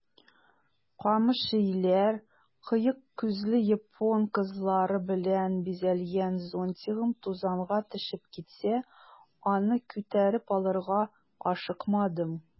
Камыш өйләр, кыек күзле япон кызлары белән бизәлгән зонтигым тузанга төшеп китсә, аны күтәреп алырга ашыкмадым.